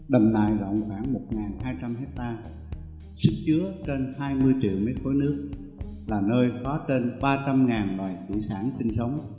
đầm nại rộng khoãn ha sức chứa trên triệu m nước là nơi có trên ba trăm ngàn loài thủy sản sinh sống